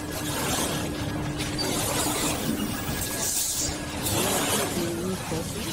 Og jeg bor i Vikåsen.